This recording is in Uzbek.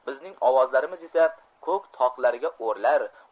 bizning ovozlarimiz esa ko'k toqlariga o'rlar